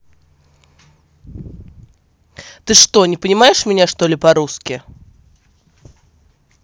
ты что не понимаешь меня что ли по русски